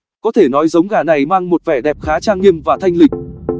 có thể nói giống gà này mang một vẻ đẹp khá trang nghiêm và thanh lịch